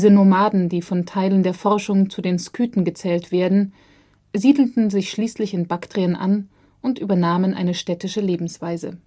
Nomaden, die von Teilen der Forschung zu den Skythen gezählt werden, siedelten sich schließlich in Baktrien an und übernahmen eine städtische Lebensweise